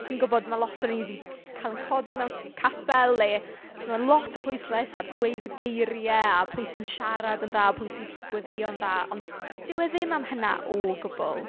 Fi'n gwybod ma' lot o ni 'di cael ein codi mewn capel le ti'mod lot o bwyslais ar dweud geiriau, a pwy sy'n siarad yn dda, pwy sy'n gallu gweddïo'n dda, ond dyw e ddim am hynna o gwbl.